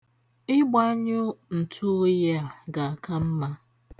Ịgbanyụ ntụoyi a ga-aka mma.